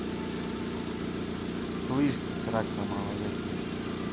слышь ты срака малолетняя